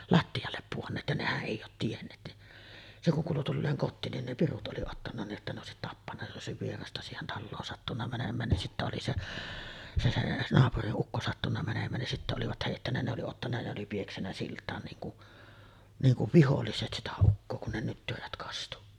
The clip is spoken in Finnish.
lattialle pudonneet ja nehän ei ole tienneet niin se kun kuului tulleen kotiin niin ne pirut oli ottanut niin että ne olisi tappanut jos ei olisi vierasta siihen taloon sattunut menemään niin sitten oli se se se naapurin ukko sattunut menemään niin sitten olivat heittänyt ne oli ottanut ne oli pieksänyt siltaan niin kuin niin kuin viholliset sitä ukkoa kun ne nyttyrät kastui